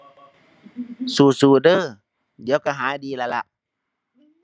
สู้สู้เด้อ เดี๋ยวก็หายดีแล้วล่ะ